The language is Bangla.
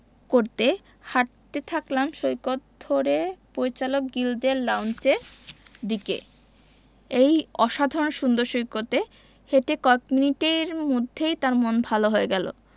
করতে হাঁটতে থাকলাম সৈকত ধরে পরিচালক গিল্ডের লাউঞ্জের দিকে এই অসাধারণ সুন্দর সৈকতে হেঁটে কয়েক মিনিটের মধ্যেই তার মন ভালো হয়ে গেল